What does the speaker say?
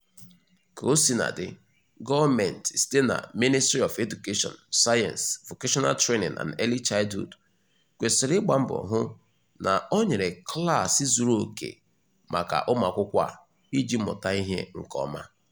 Kaosinadị, Gọọmenti site na Ministry of Education, Science, Vocational Training and Early Childhood kwesịrị ịgba mbọ hụ na ọ nyere klaasị zuru okè maka ụmụakwụkwọ a iji mụta ihe nke ọma.